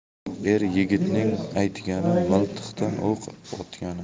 er yigitning aytgani miltiqdan o'q otgani